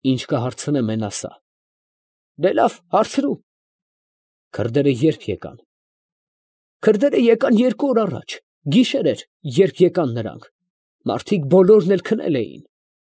Ի՛նչ կհարցնեմ, էն ասա։ ֊ Լավ, հարցրու։ ֊ Ե՞րբ եկան քրդերը։ ֊ Քրդերը եկան երկու օր առաջ. գիշեր էր, երբ եկան նրանք. մարդիկ բոլորն էլ քնել էին։